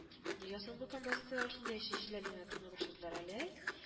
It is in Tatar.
Нигә соң бу композиторлар шундый әче җилләрне генә тыңлый башладылар әле